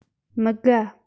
མི དགའ